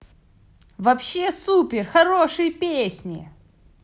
вообще супер хорошие песни